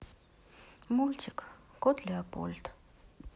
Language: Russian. мультик кот леопольд